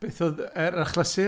Beth oedd yr achlysur?